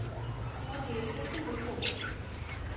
Гади әсәр түгел бу.